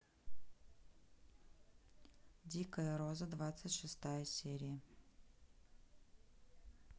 дикая роза двадцать шестая серия